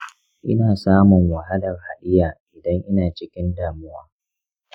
ina samun wahalar haɗiya idan ina cikin damuwa.